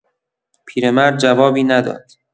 پیرمرد جوابی نداد.